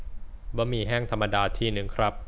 บะหมี่แห้งธรรมดาที่นึงครับ